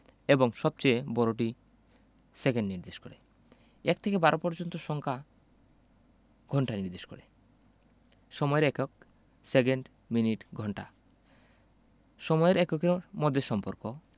এবং সবচেয়ে বড়টি সেকেন্ড নির্দেশ করে ১ থেকে ১২ পর্যন্ত সংখ্যা ঘন্টা নির্দেশ করে সময়ের এককঃ সেকেন্ড মিনিট ঘন্টা সময়ের এককের মধ্যে সম্পর্কঃ